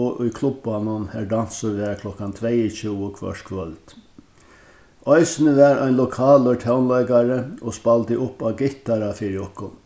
og í klubbanum har dansur var klokkan tveyogtjúgu hvørt kvøld eisini var ein lokalur tónleikari og spældi upp á gittara fyri okkum